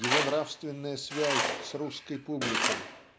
его нравственная связь с русской публикой.